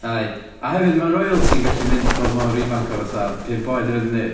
Reit, a hefyd ma' royalty yn gallu mynd bod mor ifanc a fatha' pump oed hefyd yndi?